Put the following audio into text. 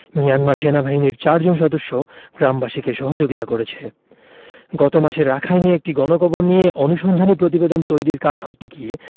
Myanmar সেনাবাহিনীর চারজন সদস্য গ্রামবাসীকে সহযোগিতা করেছে গত মাসে রাখাইনে একটি গণকবর নিয়ে অনুসন্ধানী প্রতিবেদন তৈরির কাজ করতে গিয়ে